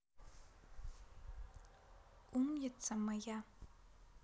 умница моя